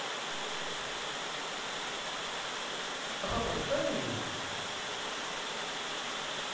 oh baby